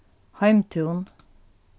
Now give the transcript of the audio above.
heimtún